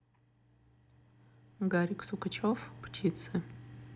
гарик сукачев птицы